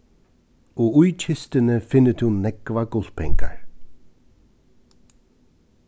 og í kistuni finnur tú nógvar gullpengar